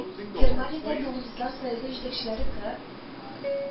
Германиядә Коммунистлар союзы җитәкчеләре Кы